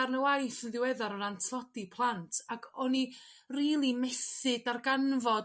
darn o waith yn ddiweddar o ran tlodi plant ag oni rili methu darganfod